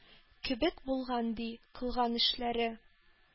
Кебек булган, ди, кылган эшләре